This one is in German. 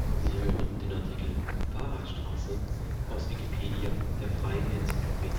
Sie hören den Artikel Fahrradstraße, aus Wikipedia, der freien Enzyklopädie